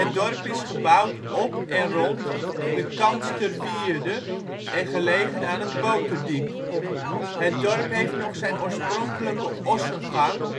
dorp is gebouwd op en rond de Kantsterwierde en gelegen aan het Boterdiep. Het dorp heeft nog zijn oorspronkelijke ossengang en